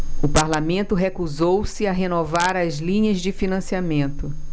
o parlamento recusou-se a renovar as linhas de financiamento